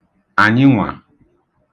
ànyịnwà